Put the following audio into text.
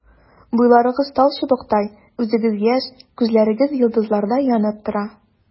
Буйларыгыз талчыбыктай, үзегез яшь, күзләрегез йолдызлардай янып тора.